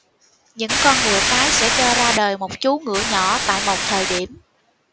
những con ngựa cái sẽ cho ra đời một chú ngựa nhỏ tại một thời điểm